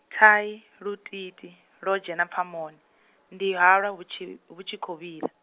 thai lutiitii lwo dzhena pfamoni, ndi halwa hutshi, vhu tshi kho vhila.